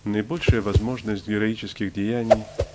Наибольшая возможность героических деяний